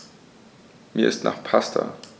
Mir ist nach Pasta.